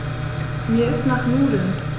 Mir ist nach Nudeln.